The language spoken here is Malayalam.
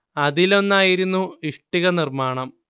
അതിലൊന്നായിരുന്നു ഇഷ്ടിക നിർമ്മാണം